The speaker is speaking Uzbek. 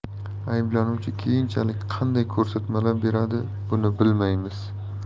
ayblanuvchi keyinchalik qanday ko'rsatmalar beradi buni bilmaymiz